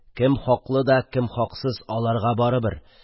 Кем хаклы да, кем хаксыз – аларга барыбер...